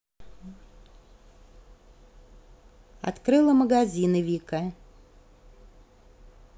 открыла магазины вика